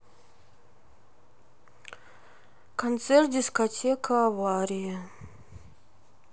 концерт дискотека авария